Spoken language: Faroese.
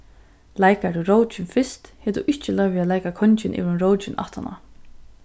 leikar tú rókin fyrst hevur tú ikki loyvi at leika kongin yvir um rókin aftaná